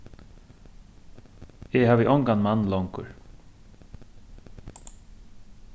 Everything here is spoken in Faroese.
eg havi ongan mann longur